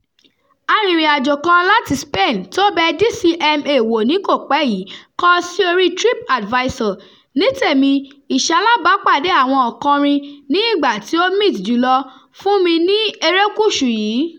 Arìnrìn-àjò kan láti Spain, tó bẹ DCMA wò ní kò pẹ́ yìí, kọ sí oríi TripAdvisor: "Ní tèmi, ìṣalábàápàdée àwọn akọrin ni ìgbà tí ó meet jù lọ fún mi ní erékùṣù yìí".